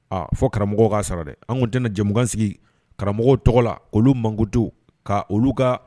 Aa fo karamɔgɔw k'a sara dɛ, an kɔnni tɛna jɛmukan sigi karamɔgɔw tɔgɔ la, k'olu mankutu, ka olu ka